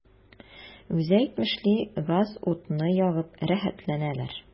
Үзе әйтмешли, газ-утны ягып “рәхәтләнәләр”.